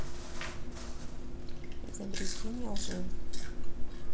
изобретение лжи